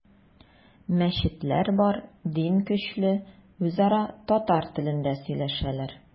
Мәчетләр бар, дин көчле, үзара татар телендә сөйләшәләр.